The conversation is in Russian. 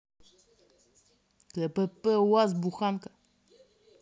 кпп уаз буханка